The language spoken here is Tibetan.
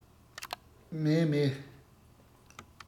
མཱེ མཱེ